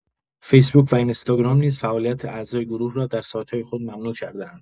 فیسبوک و اینستاگرام نیز فعالیت اعضای گروه را در سایت‌های خود ممنوع کرده‌اند.